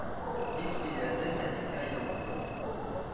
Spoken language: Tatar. Дип сөйләде мәликә ямгурова